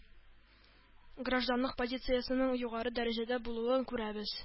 Гражданлык позициясенең югары дәрәҗәдә булуын күрәбез